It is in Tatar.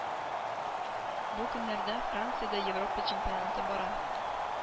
Бу көннәрдә франциядә европа чемпионаты бара.